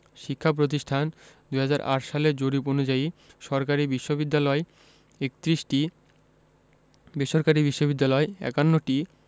শতাংশ শিক্ষাপ্রতিষ্ঠানঃ ২০০৮ সালের জরিপ অনুযায়ী সরকারি বিশ্ববিদ্যালয় ৩১টি বেসরকারি বিশ্ববিদ্যালয় ৫১টি